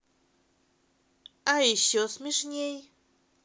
а еще смешней